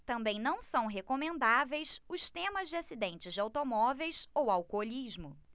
também não são recomendáveis os temas de acidentes de automóveis ou alcoolismo